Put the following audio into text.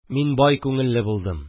– мин бай күңелле булдым